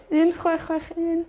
Un chwech chwech un.